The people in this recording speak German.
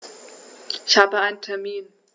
Ich habe einen Termin.